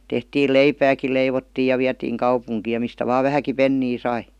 tehtiin leipääkin leivottiin ja vietiin kaupunkiin ja mistä vain vähänkin penniä sai